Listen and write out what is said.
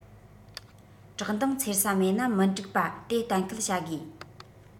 བཀྲག མདངས འཚེར ས མེད ན མི འགྲིག པ དེ གཏན འཁེལ བྱ དགོས